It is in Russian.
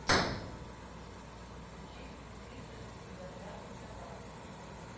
включи триста шестьдесят пятый канал